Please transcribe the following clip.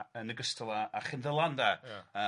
Yn ogystal â a Chynddylan de. Ia.